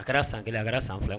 A kɛra san kelen a kɛra san